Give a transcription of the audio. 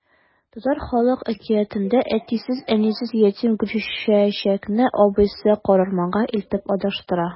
Татар халык әкиятендә әтисез-әнисез ятим Гөлчәчәкне абыйсы карурманга илтеп адаштыра.